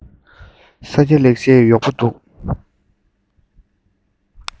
ས སྐྱ ལེགས བཤད ཡོག པོ འདུག